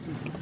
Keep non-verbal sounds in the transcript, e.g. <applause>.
<hesitation> <hesitation> <noise>